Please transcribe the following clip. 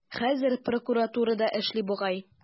Хәзер прокуратурада эшли бугай.